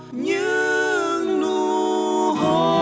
như